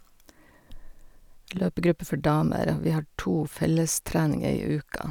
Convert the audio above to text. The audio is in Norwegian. Løpegruppe for damer, og vi har to fellestreninger i uka.